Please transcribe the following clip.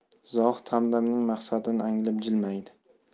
zohid hamdamning maqsadini anglab jilmaydi